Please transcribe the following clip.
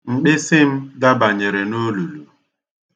Mkpịsị m dabanyere n'olulu.